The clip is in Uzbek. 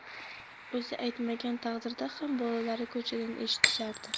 o'zi aytmagan taqdirda ham bolalari ko'chadan eshitishardi